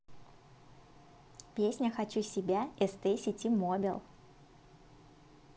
песня хочу себя st ситимобил